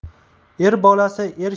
er bolasi er